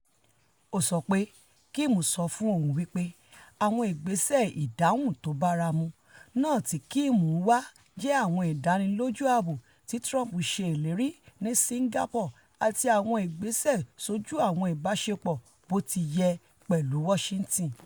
Ó sọ pé Kim sọ fún òun wí pé ''àwọn ìgbésẹ̀ ìdáhùn tóbáramu'' náà tí Kim ń wá jẹ́ àwọn ìdánilójú ààbò tí Trump ṣe ìlérì ní Singapore àti àwọn ìgbésẹ sójú àwọn ìbáṣepọ̀ bótiyẹ pẹ̀lú Washinhton.